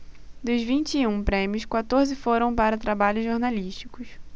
dos vinte e um prêmios quatorze foram para trabalhos jornalísticos